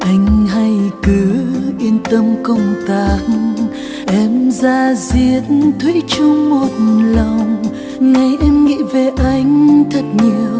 anh hãy cứ yên tâm công tác em da diết thủy chung một lòng ngày em nghĩ về anh thật nhiều